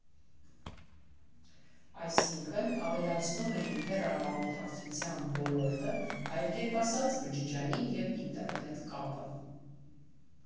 Այսինքն՝ ավելացնում էին հեռահաղորդակցության ոլորտը, այլ կերպ ասած՝ բջջային և ինտերնետ կապը։